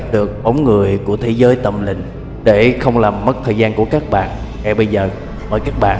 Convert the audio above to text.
của thế giới tâm linh để không làm mất thời gian của các bạn ngay bây giờ mới các bạn chúng ta hãy cùng